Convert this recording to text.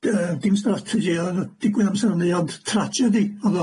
yy dim strategi o'dd yn digwydd amser hynny ond trajedi o'dd